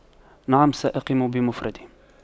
نعم سأقيم بمفردي